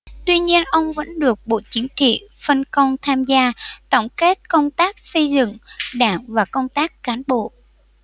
tuy nhiên ông vẫn được bộ chính trị phân công tham gia tổng kết công tác xây dựng đảng và công tác cán bộ